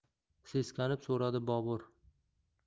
seskanib so'radi bobur